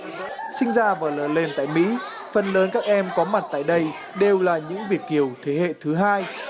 sinh ra và lớn lên tại mỹ phần lớn các em có mặt tại đây đều là những việt kiều thế hệ thứ hai